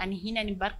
Ani hinɛ ni barik